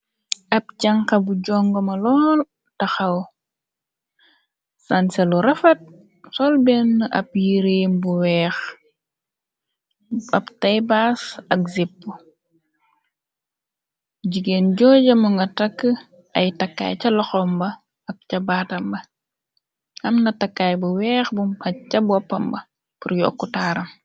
Ab janxa bu jongoma lool taxaw, sanse lu rafat sol benn ab yireem bu weex, ab tay baas ak zipp. Jigéen joojamo nga takka ay takkaay ca loxomba ak ca baatamba, amna takkaay bu weex bu aj ca boppamba bur yokku taaram.